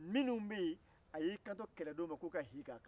minnu bɛ ye a y'i kan to kɛlɛdenw ma k'u ka hi k'a kan